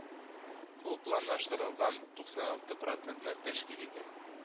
Бу планлаштырылганнан туксан алты процентны тәшкил итә